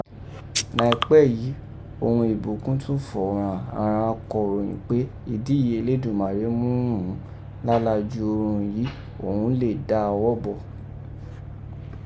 Nàìpẹ́ yii òghun Ìbùkún tọ́n fọ̀ ghàn àghan akọroyẹ̀n pe idí yìí Eledumàrè mú ghún òghun lála jù urun yìí òghun lè dà ọwọ bò.